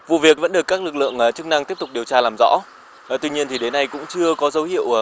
vụ việc vẫn được các lực lượng chức năng tiếp tục điều tra làm rõ tuy nhiên thì đến nay cũng chưa có dấu hiệu